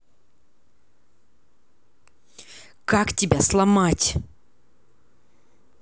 как тебя сломать